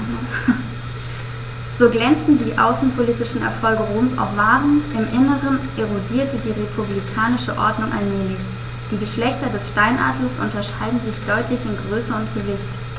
So glänzend die außenpolitischen Erfolge Roms auch waren: Im Inneren erodierte die republikanische Ordnung allmählich. Die Geschlechter des Steinadlers unterscheiden sich deutlich in Größe und Gewicht.